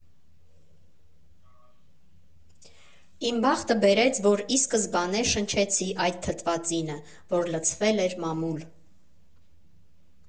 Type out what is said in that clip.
Իմ բախտը բերեց, որ ի սկզբանե շնչեցի այդ թթվածինը, որ լցվել էր մամուլ.